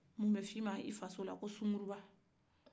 mun bɛ fɔ i ma i fasola ko sunkuruba